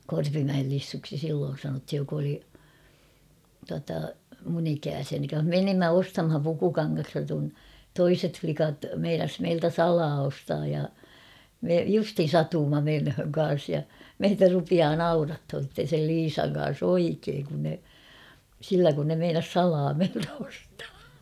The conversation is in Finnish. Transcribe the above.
Korpimäen Lissuksi silloin sanottiin joka oli tuota minun ikäisiäni menimme ostamaan pukukangasta kun toiset likat meinasi meiltä salaa ostaa ja me justiin satuimme menemään kanssa ja meitä rupeaa naurattamaan sitten sen Liisan kanssa oikein kun ne sillä kun ne meinasi salaa meiltä ostaa